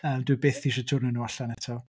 Yym dwi byth isio tynnu nhw allan eto.